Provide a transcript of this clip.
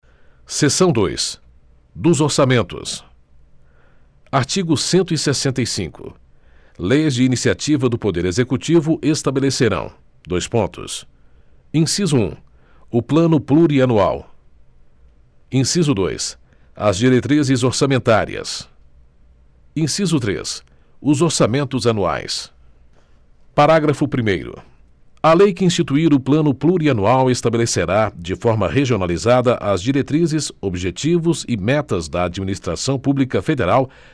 seção dois dos orçamentos artigo cento e sessenta e cinco leis de iniciativa do poder executivo estabelecerão dois pontos inciso um o plano plurianual inciso dois as diretrizes orçamentárias inciso três os orçamentos anuais parágrafo primeiro a lei que instituir o plano plurianual estabelecerá de forma regionalizada as diretrizes objetivos e metas da administração pública federal